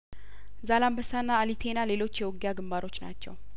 ዛላ አንበሳና አሊቴና ሌሎች የውጊያግንባሮች ናቸው